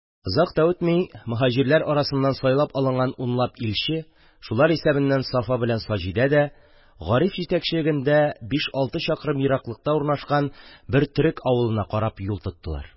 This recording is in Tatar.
Озак та үтми, моһаҗирлар арасыннан сайлап алынган унлап илче – шулар исәбеннән Сафа белән Саҗидә дә – Гариф җитәкчелегендә биш-алты чакрым ераклыкта урнашкан бер төрек авылына карап юл тоттылар